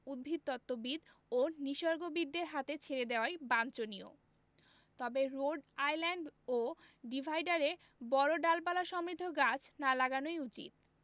উদ্ভিদতত্ত্ববিদ ও নিসর্গবিদদের হাতে ছেড়ে দেয়াই বাঞ্ছনীয় তবে রোড আইল্যান্ড ও ডিভাইডারে বড় ডালপালাসমৃদ্ধ গাছ না লাগানোই উচিত